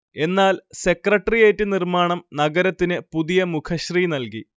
എന്നാൽ സെക്രട്ടേറിയറ്റ് നിർമ്മാണം നഗരത്തിന് പുതിയ മുഖശ്രീ നൽകി